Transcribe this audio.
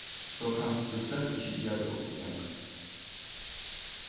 so kanst tú slett ikki gera tað upp í pengum